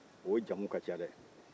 o jamu ka ca dɛɛ